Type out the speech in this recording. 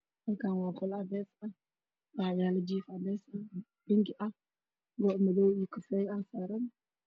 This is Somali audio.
Halakan waa qol cades ah waxayalo jiif binki ah go madow io kafey ah aa saran